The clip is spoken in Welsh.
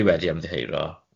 Dwi wedi ymddiheuro.